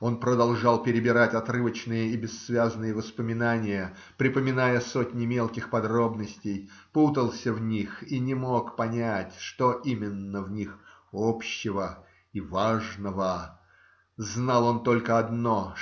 Он продолжал перебирать отрывочные и бессвязные воспоминания, припоминая сотни мелких подробностей, путался в них и не мог понять, что именно в них общего и важного. Знал он только одно